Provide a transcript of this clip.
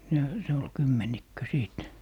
ne se oli kymmenikkö sitten